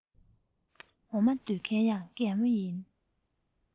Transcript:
འོ མ ལྡུད མཁན ཡང རྒན མོ ཡིན